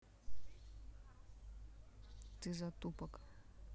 ты затупок